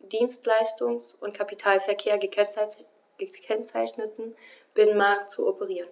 Dienstleistungs- und Kapitalverkehr gekennzeichneten Binnenmarkt zu operieren.